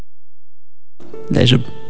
نجم